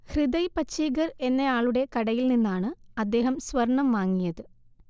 ഹൃദയ് പഛീഗർ എന്നയാളുടെ കടയിൽനിന്നാണ് അദ്ദേഹം സ്വർണം വാങ്ങിയത്